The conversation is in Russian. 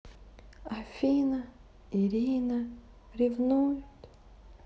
афина ирина ревнует